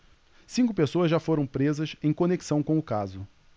cinco pessoas já foram presas em conexão com o caso